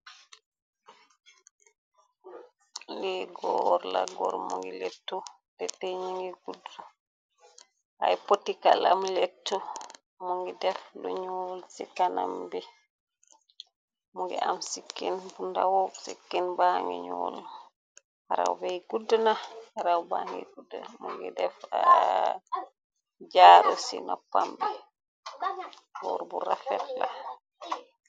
Lii góor la góor mu ngi lettu le teñi ngi gudd haypotikalam lett mu ngi def lu ñuul ci kanam bi mu ngi am sikken bu ndawoob si ken ba ngi ñuul raw bey gudd na raw baa ngi gudd mu ngi def a jaaru ci noppam bi góor bu rafet la.